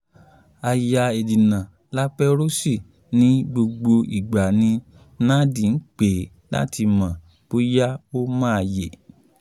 Aya Ednan-Laperouse ní “gbogbo ìgbà ni Nad ń pè láti mọ bóyá ó máa yèé.”